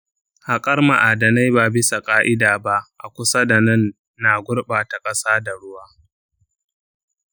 haƙar ma’adinai ba bisa ƙa’ida ba a kusa da nan na gurɓata ƙasa da ruwa.